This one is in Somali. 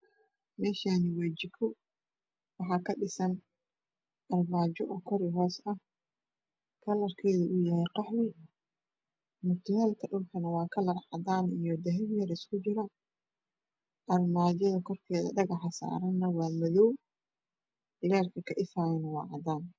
Meshan waa jiko waxana kadhisan Armajo kor iyo hos ah kalarkeduna yahay qaxwi mutulleka na waakalar cadan iyo dahabi yariskujira Armajada korkeda dhagaxasaran waa madow Leerka ka ifayanawaa cadan